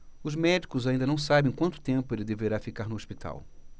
os médicos ainda não sabem quanto tempo ele deverá ficar no hospital